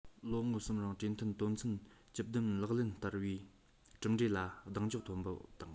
ལོ ངོ གསུམ རིང གྲོས མཐུན དོན ཚན བཅུ བདུན ལག ལེན བསྟར བའི གྲུབ འབྲས ལ གདེང འཇོག མཐོན པོ དང